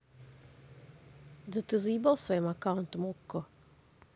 да ты заебал своим аккаунтом okko